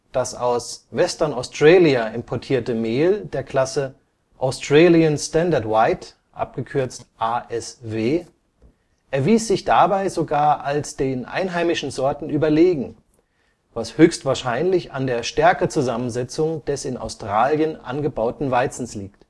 Das aus Western Australia importierte Mehl der Klasse „ Australian standard white “(ASW) erwies sich dabei sogar als den einheimischen Sorten überlegen, was höchstwahrscheinlich an der Stärke-Zusammensetzung des in Australien angebauten Weizens liegt